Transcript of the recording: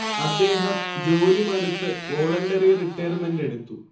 അദ്ദേഹം ജോലി മടുത്ത് വോളണ്ടറി റിട്ടയർമെന്റെടുത്തു